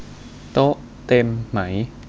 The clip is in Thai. โต๊ะเต็มไหม